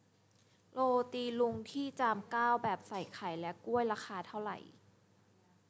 โรตีลุงที่จามเก้าแบบใส่ไข่และกล้วยราคาเท่าไหร่